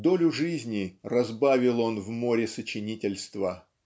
Долю жизни разбавил он в море сочинительства.